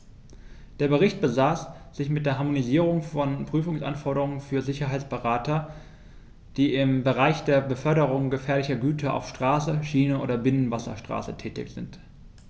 Der Bericht befasst sich mit der Harmonisierung von Prüfungsanforderungen für Sicherheitsberater, die im Bereich der Beförderung gefährlicher Güter auf Straße, Schiene oder Binnenwasserstraße tätig sind.